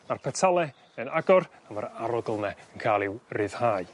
ma'r petale yn agor a ma'r arogl 'ne yn ca'l i'w ryddhau.